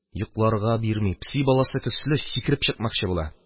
Йокларга бирми, песи баласы төсле сикереп чыкмакчы була